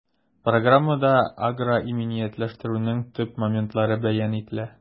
Программада агроиминиятләштерүнең төп моментлары бәян ителә.